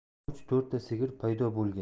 uch to'rtta sigir paydo bo'lgan